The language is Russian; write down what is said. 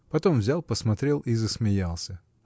Потом взял, посмотрел и засмеялся.